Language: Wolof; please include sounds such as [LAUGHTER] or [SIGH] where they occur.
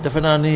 [HESITATION] [HESITATION]